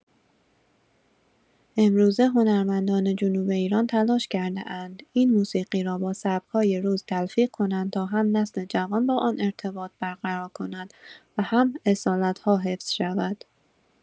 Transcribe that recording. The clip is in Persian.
امروزه هنرمندان جنوب ایران تلاش کرده‌اند این موسیقی را با سبک‌های روز تلفیق کنند تا هم نسل جوان با آن ارتباط برقرار کند و هم اصالت‌ها حفظ شود.